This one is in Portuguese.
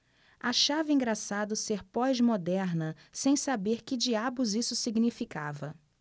achava engraçado ser pós-moderna sem saber que diabos isso significava